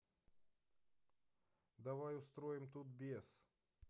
давай устроим тут бес